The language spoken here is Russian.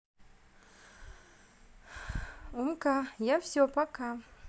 умка я все пока